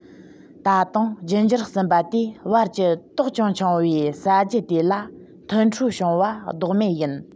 ད དུང རྒྱུད འགྱུར གསུམ པ དེ བར གྱི དོག ཅིང ཆུང བའི ས རྒྱུད དེ ལ མཐུན འཕྲོད བྱུང བ ལྡོག མེད ཡིན